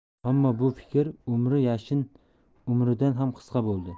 ammo bu fikr umri yashin umridan ham qisqa bo'ldi